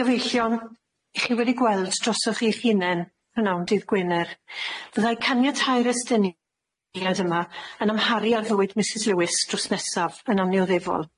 Gyfeillion, chi wedi gweld drosoch chi'ch hunen b'nawn dydd Gwener, fyddai caniatâi'r estyniad yma yn amharu ar fywyd Misys Lewys drws nesaf yn annioddefol.